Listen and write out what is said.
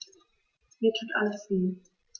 Mir tut alles weh.